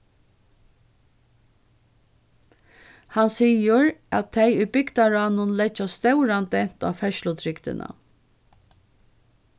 hann sigur at tey í bygdaráðnum leggja stóran dent á ferðslutrygdina